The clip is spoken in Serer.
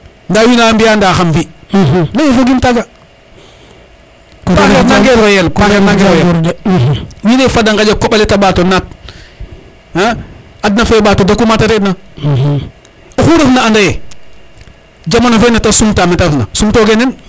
nda wiin wa na mbiya nda xam fi leye fogim taga paxeer nange royel paxer nange royel wiin we fada ngaƴa koɓale te ɓato naat adna fe ɓaato daku mate re ina oxu refna anda ye jamano fe nete sumta mete ref na sum toge neen